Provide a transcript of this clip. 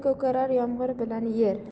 ko'karar yomg'ir bilan yer